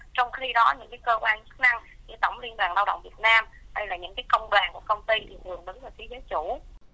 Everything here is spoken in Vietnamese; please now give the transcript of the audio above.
trong khi đó những cái cơ quan chức năng của tổng liên đoàn lao động việt nam hay là những cái công đoàn của công ty thì thường đứng về phía giới chủ